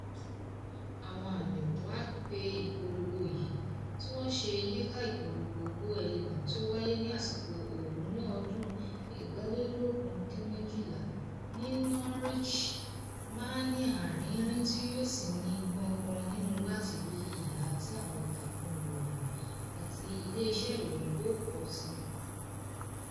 Àwọn àmì wà pé ìpolongo yìí - tí wọ́n ṣe yíká ìpolongo Go Elephants tí ó wáyé ní àsìkò ooru ní ọdún 2008 ní Norwich - máa ní arinrin tí yóò sì ní gbọ́n gbọ́n nínú láti rí ìhà tí àwọn ìtàkùn ìròyìn àti ilé iṣẹ́ ìròyìn yóò kọ si.